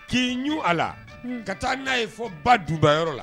K'i ɲɔ a la ka taa n'a ye fɔ ba dubayɔrɔ la